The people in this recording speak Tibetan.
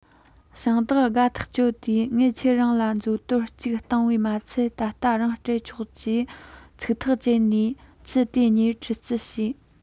ཞིང བདག དགའ ཐག ཆོད དེ ངས ཁྱེད རང ལ མཛོ དོར གཅིག བཏང བས མ ཚད ད ལྟ རང སྤྲད ཆོག ཅེས ཚིག ཐག བཅད ནས ཁྱི དེ གཉིས ཁྲིས ཙིས བྱས